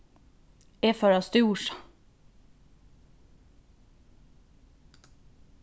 eg fór at stúra